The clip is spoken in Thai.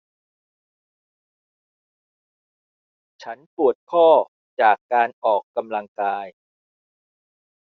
ฉันปวดข้อจากการออกกำลังกาย